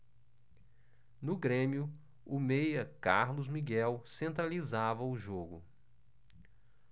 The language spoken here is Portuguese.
no grêmio o meia carlos miguel centralizava o jogo